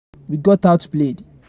We got outplayed."